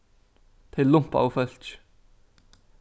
tey lumpaðu fólkið